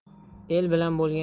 el bilan bo'lgan